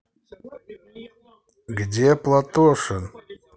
где платошин